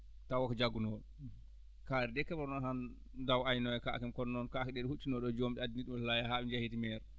tawa ko jaggunooɗo kaari de keɓano tan dawa aynoya kaake mum kono noon kaake ɗe ɗo huccunoo ɗo jom ɓe addanii ɗum laaya haa ɓe jehii to mairie